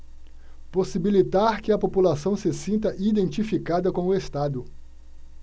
possibilitar que a população se sinta identificada com o estado